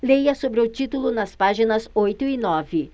leia sobre o título nas páginas oito e nove